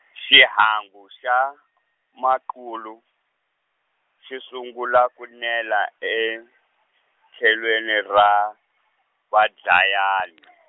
xihangu xa , maqulu, xi sungula ku nela etlhelweni ra, vaDlayani.